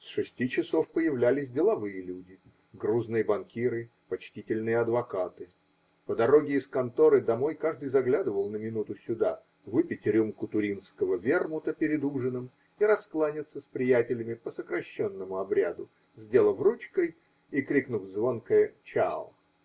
С шести часов появлялись деловые люди, грузные банкиры, почтительные адвокаты: по дороге из конторы домой каждый заглядывал на минуту сюда, выпить рюмку туринского вермута пред ужином и раскланяться с приятелями по сокращенному обряду, сделав ручкой и крикнув звонкое "чао".